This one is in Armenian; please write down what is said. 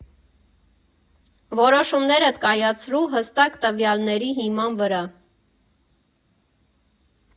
Որոշումներդ կայացրու հստակ տվյալների հիման վրա։